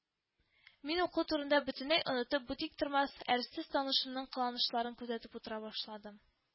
Уку турында бөтенләй онытып, бу тиктормас, әрсез танышымның кыланышларын күзәтеп утыра башладым